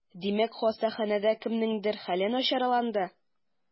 Димәк, хастаханәдә кемнеңдер хәле начарланды?